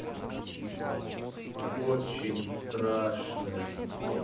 очень страшное